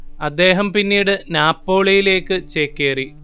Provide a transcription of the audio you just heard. അദ്ദേഹം പിന്നീട് നാപ്പോളിയിലേക്ക് ചേക്കേറി